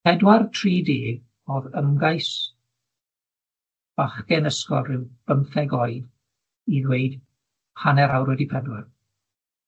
Pedwar tri deg o'dd ymgais bachgen ysgol rhyw bymtheg oed i ddweud hanner awr wedi pedwar.